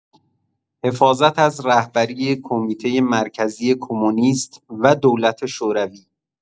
حفاظت از رهبری کمیته مرکزی کمونیست و دولت شوروی